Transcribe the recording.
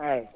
eeyi